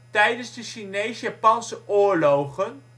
Tijdens de Chinees-Japanse oorlogen